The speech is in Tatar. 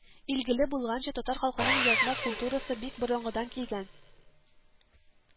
Илгеле булганча, татар халкының язма культурасы бик борынгыдан килгән